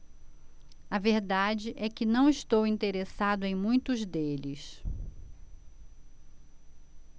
a verdade é que não estou interessado em muitos deles